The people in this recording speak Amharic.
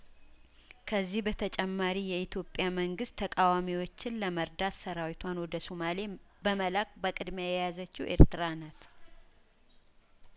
ከዚህ በተጨማሪ የኢትዮጵያ መንግስት ተቃዋሚዎችን ለመርዳት ሰራዊቷን ወደ ሱማሌም በመላክ በቅድሚያ የያዘችው ኤርትራ ናት